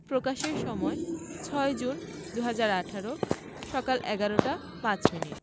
প্রকাশের সময় ৬জুন ২০১৮ সকাল ১১টা ৫ মিনিট